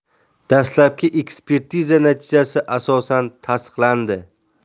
dastlabki ekspertiza natijasi asosan tasdiqlandi